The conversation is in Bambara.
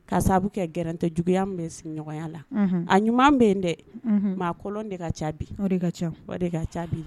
K'a sababu kɛ gɛrɛntɛ juguya min bɛ sigiɲɔgɔnya la. Unhun. A ɲuman bɛ yen dɛ mais a kolon de ka ca bi. O de ka ca. O de ka ca bi.